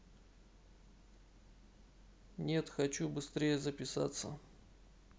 нет хочу быстрее записаться